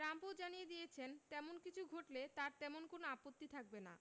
ট্রাম্পও জানিয়ে দিয়েছেন তেমন কিছু ঘটলে তাঁর তেমন কোনো আপত্তি থাকবে না